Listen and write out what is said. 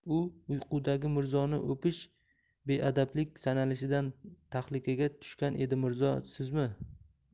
u uyqudagi mirzoni o'pish beadablik sanalishidan tahlikaga tushgan edi mirzo sizmi